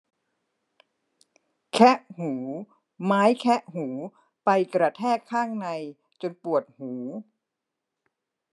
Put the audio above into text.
แคะหูไม้แคะหูไปกระแทกข้างในจนปวดหู